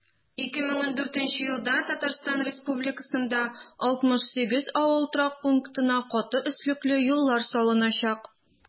2014 елда татарстан республикасында 68 авыл торак пунктына каты өслекле юллар салыначак.